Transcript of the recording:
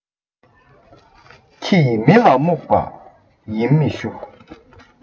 ཁྱི ཡིས མི ལ རྨུགས པ ཡིན མི ཞུ